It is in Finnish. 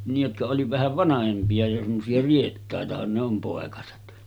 niin jotka oli vähän vanhempia jo semmoisia riettaitahan ne on poikaset